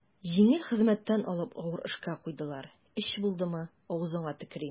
Җиңел хезмәттән алып авыр эшкә куйдылар, өч булдымы, авызыңа төкерим.